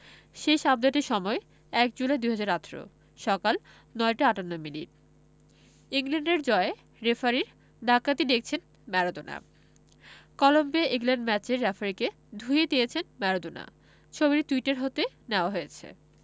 শেষ আপডেটের সময় ১ জুলাই ২০১৮ সকাল ৯টা ৫৮মিনিট ইংল্যান্ডের জয়ে রেফারির ডাকাতি দেখছেন ম্যারাডোনা কলম্বিয়া ইংল্যান্ড ম্যাচের রেফারিকে ধুয়ে দিয়েছেন ম্যারাডোনা ছবিটি টুইটার হতে নেয়া হয়েছে